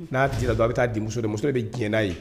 N'a jirara dɔn a bɛ taa di denmuso muso dɛ muso de bɛ diɲɛ n'a ye